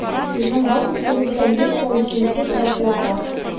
Сезнең баш өстегездә 102 нче статья тора.